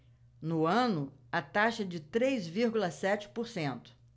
no ano a taxa é de três vírgula sete por cento